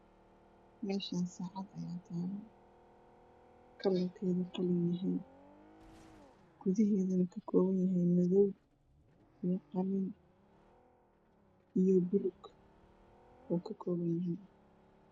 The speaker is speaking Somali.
Meeshan saacad ayaa taalo kalarkeedu qalinyahay gudeheedana ka koo ban yahay madoow iyo qalin iyo buluug ayuu ka kooban yahay